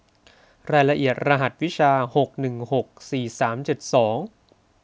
รายละเอียดรหัสวิชาหกหนึ่งหกสี่สามเจ็ดสอง